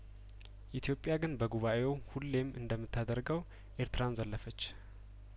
ኢትዮጵያ ግን በጉባኤው ሁሌም እንደምታ ደርገው ኤርትራን ዘለፈች